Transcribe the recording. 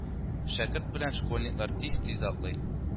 Шәкерт белән школьниклар тиз-тиз атлый